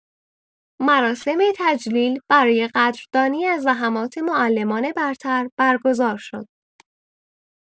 مراسم تجلیل برای قدردانی از زحمات معلمان برتر برگزار شد.